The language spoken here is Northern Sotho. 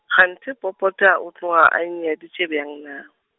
kganthe Popota o tloga a nnyaditše bjang na.